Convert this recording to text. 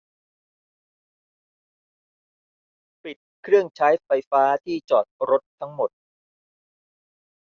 ปิดเครื่องใช้ไฟฟ้าที่จอดรถทั้งหมด